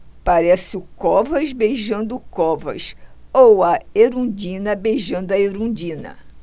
parece o covas beijando o covas ou a erundina beijando a erundina